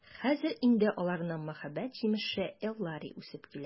Хәзер инде аларның мәхәббәт җимеше Эллари үсеп килә.